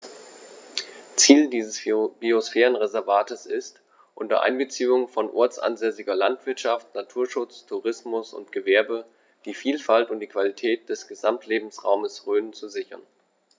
Ziel dieses Biosphärenreservates ist, unter Einbeziehung von ortsansässiger Landwirtschaft, Naturschutz, Tourismus und Gewerbe die Vielfalt und die Qualität des Gesamtlebensraumes Rhön zu sichern.